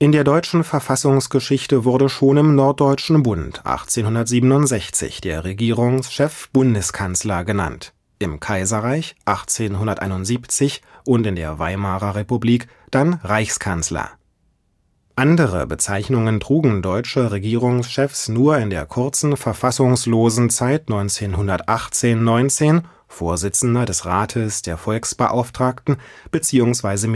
der deutschen Verfassungsgeschichte wurde schon im Norddeutschen Bund (1867) der Regierungschef „ Bundeskanzler “genannt, im Kaiserreich (1871) und in der Weimarer Republik dann „ Reichskanzler “. Andere Bezeichnungen trugen deutsche Regierungschefs nur in der kurzen verfassungslosen Zeit 1918 / 19 („ Vorsitzender des Rates der Volksbeauftragten “bzw.